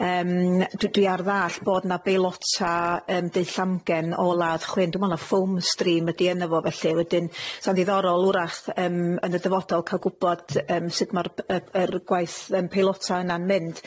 Yym dw- dwi ar ddall' bod 'na beilota yym dull amgen o ladd chwyn. Dwi me'wl na foam stream ydi enw fo felly. Wedyn, sa'n ddiddorol wrach yym yn y dyfodol ca'l gwbod yym sud ma'r b- yy yr gwaith yym peilota yna'n mynd.